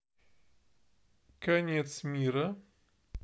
конец мира